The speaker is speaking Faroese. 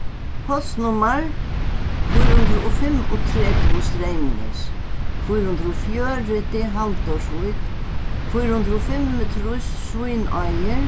postnummar fýra hundrað og fimmogtretivu streymnes fýra hundrað og fjøruti haldórsvík fýra hundrað og fimmogtrýss svínáir